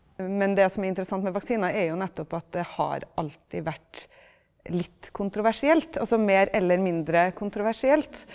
men det som er interessant med vaksiner er jo nettopp at det har alltid vært litt kontroversielt, altså mer eller mindre kontroversielt.